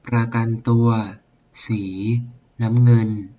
ประกันตัวสีน้ำเงิน